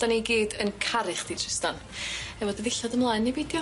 Dan ni gyd yn caru chdi Trystan efo dy ddillad ymlaen neu beidio.